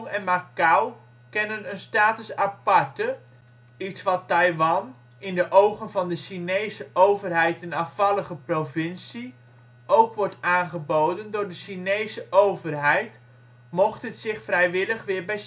en Macau kennen een status aparte, iets wat Taiwan (in de ogen van de Chinese overheid een afvallige provincie) ook wordt aangeboden door de Chinese overheid mocht het zich vrijwillig weer bij